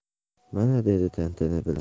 mana dedi tantana bilan